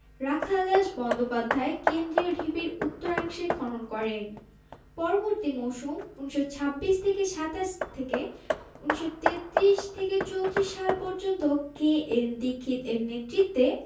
রাখালদাস বন্দ্যোপাধ্যায় কেন্দ্রীয় ঢিবির উত্তরাংশে খনন করেন পরবর্তী মৌসুম ১৯২৬ ২৭ থেকে ১৯৩৩ ৩৪ সাল পর্যন্ত কে.এন দীক্ষিত এর নেতৃত্বে